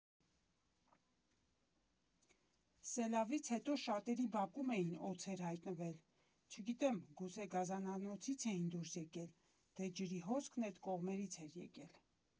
Սելավից հետո շատերի բակում էին օձեր հայտնվել, չգիտեմ, գուցե գազանանոցից էին դուրս եկել, դե ջրի հոսքն էդ կողմերից էր եկել։